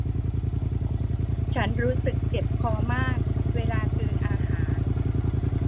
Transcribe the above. ฉันรู้สึกเจ็บคอมากเวลากลืนอาหาร